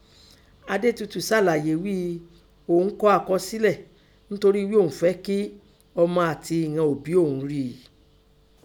Adétutù sàlàyé ghíi òun kọ àkọsílẹ̀ ńtori ghí òun fẹ́ kín ọmọ àti ìghan òbi òun rí i.